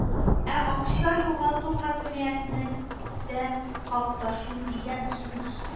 Ә акча югалту хакимиятне дә какшату дигән сүз